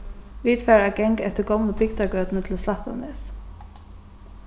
vit fara at ganga eftir gomlu bygdagøtuni til slættanes